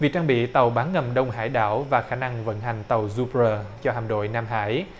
việc trang bị tàu bán ngầm đông hải đảo và khả năng vận hành tàu du pờ rờ cho hạm đội nam hải